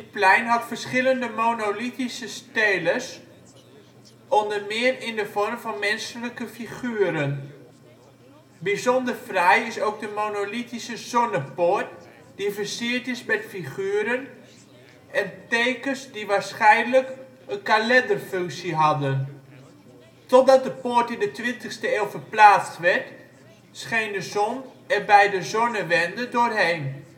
plein had verschillende monolithische steles onder meer in de vorm van menselijke figuren. Bijzonder fraai is ook de monolithische " Zonnepoort ", die versierd is met figuren en tekens die waarschijnlijk een kalenderfunctie hadden. Totdat de poort in de 20e eeuw verplaatst werd, scheen de zon er bij de zonnewende doorheen